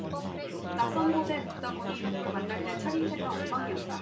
낯선 곳에 묵다 보니 누굴 만날 때 차림새가 엉망이었다